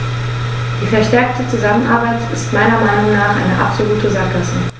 Die verstärkte Zusammenarbeit ist meiner Meinung nach eine absolute Sackgasse.